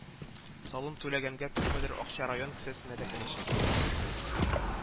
Салым түләгәнгә, күпмедер акча район кесәсенә дә керәчәк